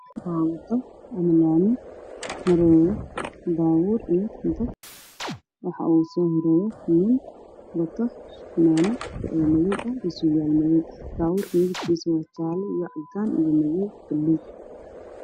Waa laami waxaa maraayo baabuur iyo dad. Waxaa ugu soo horeeyo waxuu wataa fanaanad madow ah iyo surwaal madow ah, baabuurka midabkiisu waa jaale, cadaan, madow iyo buluug.